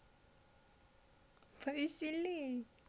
повеселей